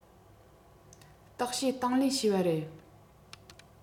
བརྟག དཔྱད དང ལེན བྱས པ རེད